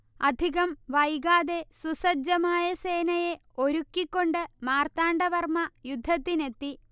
അധികം വൈകാതെ സുസജ്ജമായ സേനയെ ഒരുക്കിക്കൊണ്ട് മാർത്താണ്ടവർമ്മ യുദ്ധത്തിനെത്തി